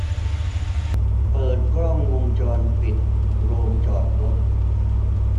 เปิดกล้องวงจรปิดโรงจอดรถ